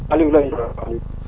Aliou Mbengue la Aliou